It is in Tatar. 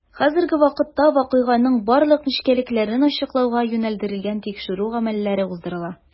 Хәзерге вакытта вакыйганың барлык нечкәлекләрен ачыклауга юнәлдерелгән тикшерү гамәлләре уздырыла.